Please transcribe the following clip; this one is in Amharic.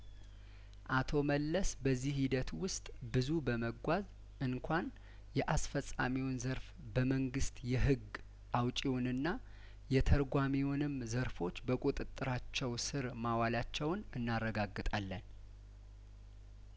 አቶ መለስ በዚህ ሂደት ውስጥ ብዙ በመጓዝ እንኳን የአስፈጻሚውን ዘርፍ በመንግስት የህግ አውጪውንና የተርጓሚ ውንም ዘርፎች በቁጥጥራቸው ስር ማዋላቸውን እናረጋግጣለን